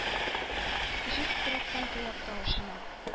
Җир тетрәткән тояк тавышына.